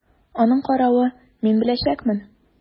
Аның каравы, мин беләчәкмен!